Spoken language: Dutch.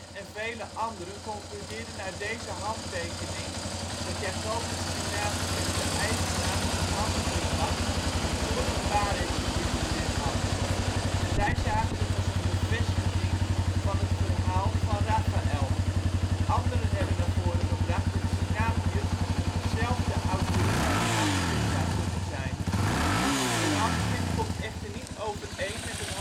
en vele anderen concludeerden uit deze handtekening dat Jacobus Sinapius de eigenaar van het handschrift was voordat Baresch het in bezit had; zij zagen dat als een bevestiging van het verhaal van Raphael. Anderen hebben naar voren gebracht dat Sinapius zelf de auteur van het handschrift zou kunnen zijn. Het handschrift komt echter niet overeen met het